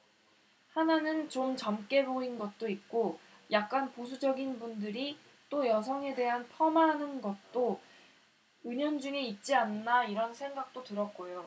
하나는 좀 젊게 보인 것도 있고 약간 보수적인 분들이 또 여성에 대한 폄하 같은 것도 은연중에 있지 않나 이런 생각도 들었고요